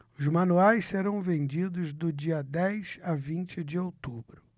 os manuais serão vendidos do dia dez a vinte de outubro